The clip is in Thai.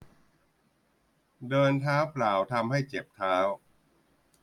เดินเท้าเปล่าทำให้เจ็บเท้า